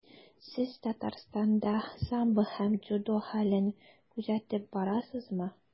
Сез Татарстанда самбо һәм дзюдо хәлен күзәтеп барасызмы?